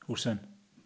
Hooson.